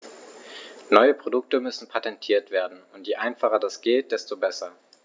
Neue Produkte müssen patentiert werden, und je einfacher das geht, desto besser.